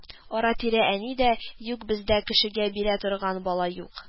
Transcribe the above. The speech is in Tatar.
Ара-тирә әни дә: "Юк, бездә кешегә бирә торган бала юк